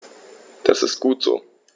Das ist gut so.